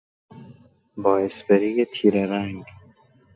با اسپری تیره‌رنگ